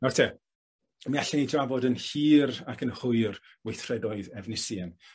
Nawr te, mi allen ni drafod yn hir ac yn hwyr weithredoedd Efnisien.